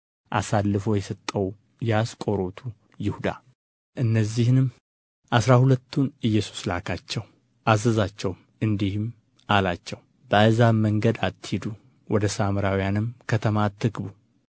አሳልፎ የሰጠው የአስቆሮቱ ይሁዳ እነዚህን አሥራ ሁለቱን ኢየሱስ ላካቸው አዘዛቸውም እንዲህም አለ በአሕዛብ መንገድ አትሂዱ ወደ ሳምራውያንም ከተማ አትግቡ